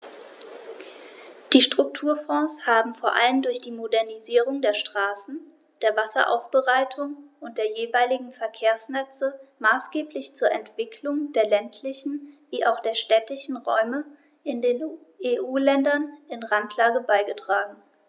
Die Strukturfonds haben vor allem durch die Modernisierung der Straßen, der Wasseraufbereitung und der jeweiligen Verkehrsnetze maßgeblich zur Entwicklung der ländlichen wie auch städtischen Räume in den EU-Ländern in Randlage beigetragen.